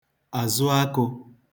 àzụ akụ̄